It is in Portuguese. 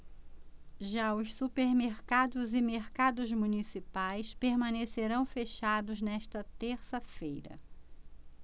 já os supermercados e mercados municipais permanecerão fechados nesta terça-feira